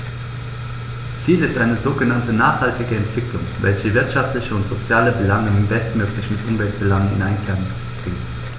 Ziel ist eine sogenannte nachhaltige Entwicklung, welche wirtschaftliche und soziale Belange bestmöglich mit Umweltbelangen in Einklang bringt.